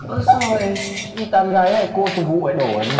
ơ sao lại đi tán gái lại cô phục vụ lại đổ là như